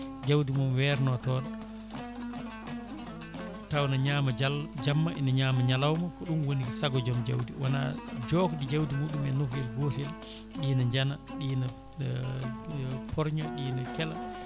jawdi mum werno toon taw ne ñaama jamma ene ñaama ñalawma ɗum woni saago joom jawdi wona jofde jawdi muɗumen nokkuyel gotel ɗi ne jaana ɗi ne porño ɗi ne keela